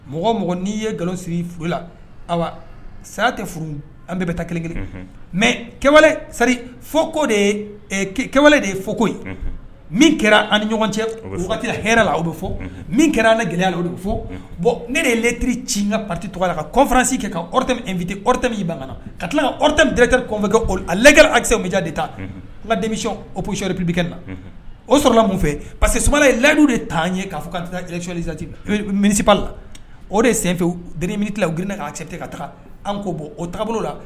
Mɔgɔ mɔgɔ n'i ye nkalon sirila saya tɛ furu an bɛɛ bɛ taa kelenkelen mɛri fɔ ko dewale de ye fɔ ko min kɛra an ni ɲɔgɔn cɛti hɛla o bɛ fɔ min kɛra an gɛlɛya o bɛ fɔ bɔn ne de ye lɛttiriri ci ka pati tɔgɔ la kafransi kɛ kafittɛ min'i man ka tilatɛ dɛrɛfɛ kɛ a lɛgɛrɛ akisemuja de ta an ka denmisɛnmi o psiyri ppkɛ na o sɔrɔla mun fɛ pa que suma layidi de taa ye k'a ka taarecliti miniba la o de senfɛ mini tila g k' a cɛ ten ka taga an ko bɔ o taabolo la